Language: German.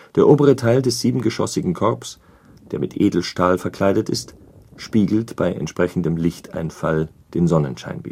Der obere Teil des siebengeschossigen Korbs, der mit Edelstahl verkleidet ist, spiegelt bei entsprechendem Lichteinfall den Sonnenschein